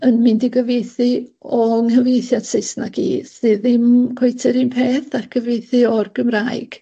yn mynd i gyfieithu o'n nghyfieithiad Saesneg i sy ddim cweit yr un peth â cyfieithu o'r Gymraeg